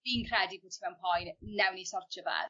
fi'n credu bo' ti mewn poen newn ni sortio fe.